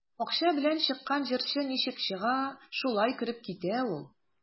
Акча белән чыккан җырчы ничек чыга, шулай кереп китә ул.